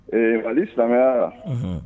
Ee mali samiyara